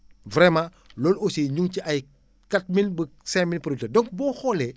vraiment loolu aussi ñu ngi ci ay quatre mille ba cinq mille producteurs donc boo xoolee